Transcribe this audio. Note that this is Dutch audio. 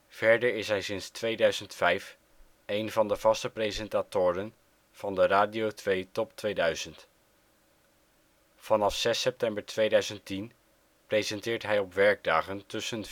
Verder is hij sinds 2005 één van de vaste presentatoren van de Radio 2 Top 2000. Vanaf 6 september 2010 presenteert hij op werkdagen tussen